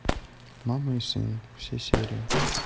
мама и сын все серии